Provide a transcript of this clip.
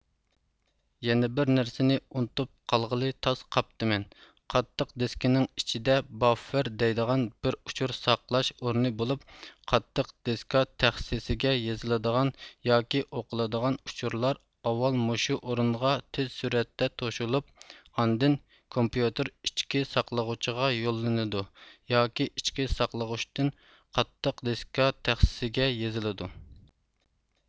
يەنە بىر نەرسىنى ئۇنتۇپ قالغىلى تاس قاپتىمەن قاتتىق دېسكىنىڭ ئىچىدە باففېر دەيدىغان بىر ئۇچۇر ساقلاش ئورنى بولۇپ قاتتىق دېسكا تەخسىىسىگە يېزىلىدىغان ياكى ئوقۇلىدىغان ئۇچۇرلار ئاۋال مۇشۇ ئورۇنغا تېز سۈرئەتتە توشۇلۇپ ئاندىن كومپىيۇتېر ئىچكى ساقلىغۇچىغا يوللىنىدۇ ياكى ئىچىكى ساقلىغۇچىتىن قاتتىق دېسكا تەخسىسىگە يېزىلىدۇ